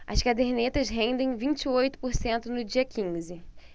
as cadernetas rendem vinte e oito por cento no dia quinze